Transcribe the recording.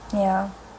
Ia.